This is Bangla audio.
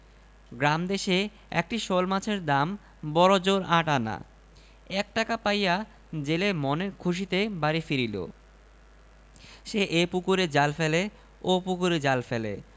গ্রামদেশে একটি শোলমাছের দাম বড়জোর আট আনা এক টাকা পাইয়া জেলে মনের খুশীতে বাড়ি ফিরিল সে এ পুকুরে জাল ফেলে ও পুকুরে জাল ফেলে